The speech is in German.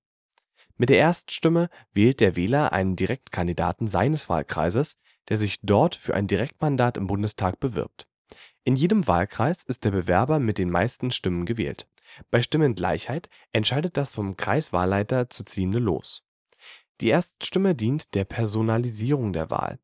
Mit der Erststimme wählt der Wähler einen Direktkandidaten seines Wahlkreises, der sich dort für ein Direktmandat im Bundestag bewirbt. In jedem Wahlkreis ist der Bewerber mit den meisten Stimmen gewählt. Bei Stimmengleichheit entscheidet das vom Kreiswahlleiter zu ziehende Los. Die Erststimme dient der Personalisierung der Wahl